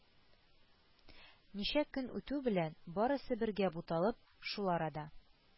Ничә көн үтү белән, барысы бергә буталып, шул арада